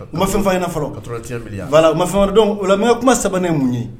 Un ma fɛn fɔ an ɲɛna fɔlɔ, 81 milliards voila. u ma fɛn fɔ an ɲɛna fɔlɔ Donc n ka kuma saba ye mun ye